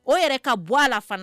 O yɛrɛ ka bɔ a la fana